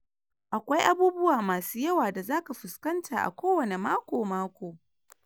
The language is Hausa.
Akwai abubuwa masu yawa da za ka fuskanta a kowane mako-mako.